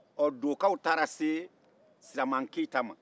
hɔ dokaw taara se siraman keyita ma